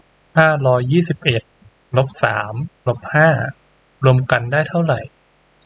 ห้าร้อยยี่สิบเอ็ดลบสามลบห้ารวมกันได้เท่าไหร่